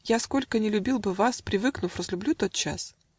Я, сколько ни любил бы вас, Привыкнув, разлюблю тотчас